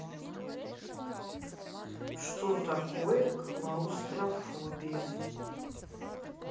что такое клаустрофобия